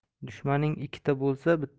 dushmaning ikkita bo'lsa